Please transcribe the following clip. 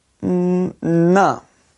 Mm na.